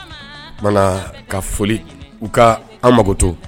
Munna ka foli u ka an makoto